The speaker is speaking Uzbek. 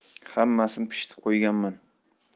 hammasini pishitib qo'yganman